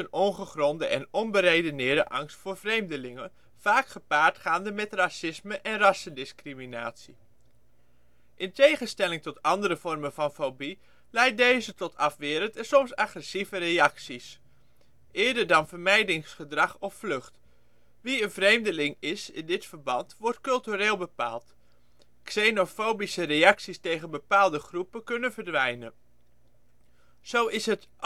ongegronde en onberedeneerde angst voor vreemdelingen, vaak gepaard gaande met racisme en rassendiscriminatie. In tegenstelling tot ander vormen van fobie leidt deze tot afwerend en soms agressieve reacties, eerder dan vermijdingsgedrag of vlucht. Wie een vreemdeling is, in dit verband, wordt cultureel bepaald. Xenofobische reacties tegen bepaalde groepen kunnen verdwijnen. Zo is het